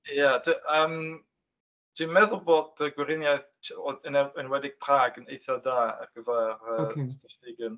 Ia d- yym dwi'n meddwl bod y Gweriniaeth Ts-... yn enwedig Prag yn eithaf da ar gyfer figan.